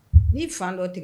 Ni fa